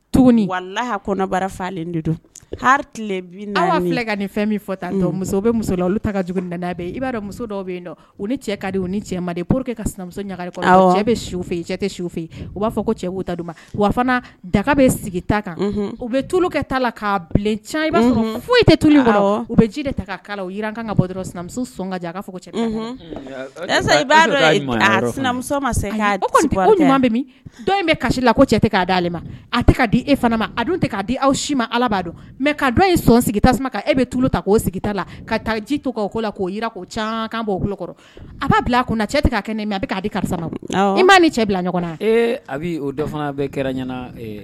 Bara'a nin fɛn min muso la ta i b'a muso dɔw bɛ yen cɛ ni cɛ pur que kamuso ɲagakali cɛ fɛ cɛ fɛ yen u b'a fɔ ko cɛ wa fana daga bɛ sigita kan u bɛ tu ta la foyi tulu bɛ ji ka bɔmuso sɔn'a fɔ bɛ kasi la ko cɛ' ma a di e ma tɛ k'a di aw si ma ala b'a dɔn mɛ sɔn sigi tasuma e bɛ tulu ta k'o sigi ta ji to la' ca' a b'a bila kun cɛ tɛ kɛ ne min a karisa'a cɛ bila ɲɔgɔn na a fana ɲɛna